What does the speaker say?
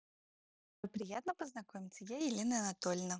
джой приятно познакомиться я елена анатольевна